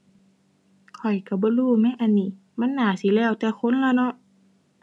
ข้อยก็บ่รู้แหมอันนี้ มันน่าสิแล้วแต่คนล่ะเนาะ